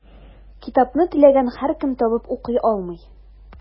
Китапны теләгән һәркем табып укый алмый.